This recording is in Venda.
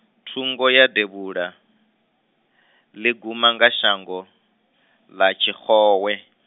thungo ya devhuḽa, ḽi guma nga shango, ḽa Tshixowe.